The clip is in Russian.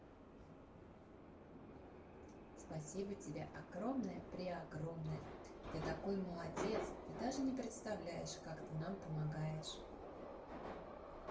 спасибо тебе огромное при огромное ты такой молодец ты даже не представляешь как ты нам помогаешь